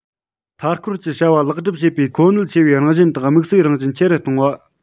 མཐའ སྐོར གྱི བྱ བ ལེགས སྒྲུབ བྱེད པའི མཁོ གནད ཆེ བའི རང བཞིན དང དམིགས སའི རང བཞིན ཆེ རུ གཏོང བ